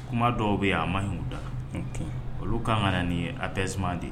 Kuma dɔw bɛ a mada olu kan ka nin a tɛsuman de ye